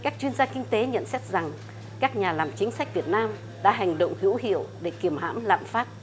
các chuyên gia kinh tế nhận xét rằng các nhà làm chính sách việt nam đã hành động hữu hiệu để kiềm hãm lạm phát